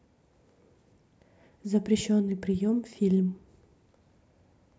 запрещенный прием фильм